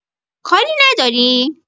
کاری نداری؟